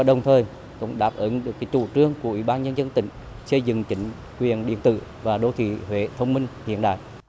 đồng thời cũng đáp ứng được các chủ trương của ủy ban nhân dân tỉnh xây dựng chính quyền điện tử và đô thị huế thông minh hiện đại